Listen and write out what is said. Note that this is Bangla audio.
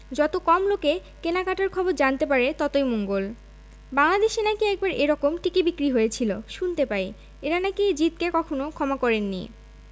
যত কম লোকে কেনাকাটার খবর জানতে পারে ততই মঙ্গল বাংলাদেশে নাকি একবার এরকম টিকি বিক্রি হয়েছিল শুনতে পাই এঁরা নাকি জিদকে কখনো ক্ষমা করেন নি